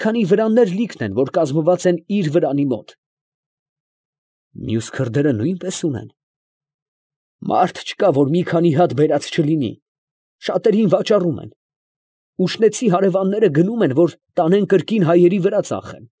Քանի վրաններ լիքն են, որ կազմված են իր վրանի մոտ։ ֊ Մյուս քրդերը նո՞ւյնպես ունեն։ ֊ Մարդ չկա, որ մի քանի հատ բերած չլինի, շատերին վաճառում են. ուշնեցի հրեաները գնում են, որ տանեն կրկին հայերի վրա ծախեն։